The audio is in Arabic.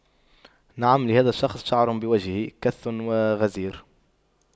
نعم لهذا الشخص شعر بوجهه كث وغزير